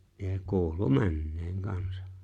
ja kuului menneen kanssa